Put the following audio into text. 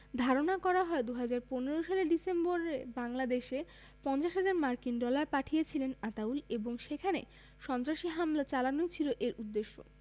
ধারণা করা হয় ২০১৫ সালের ডিসেম্বরে বাংলাদেশে ৫০ হাজার মার্কিন ডলার পাঠিয়েছিলেন আতাউল এবং সেখানে সন্ত্রাসী হামলা চালানোই ছিল এর উদ্দেশ্য